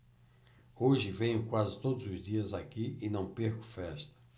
hoje venho quase todos os dias aqui e não perco festas